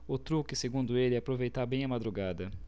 o truque segundo ele é aproveitar bem a madrugada